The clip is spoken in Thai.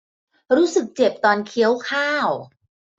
รู้สึกเจ็บตอนเคี้ยวข้าว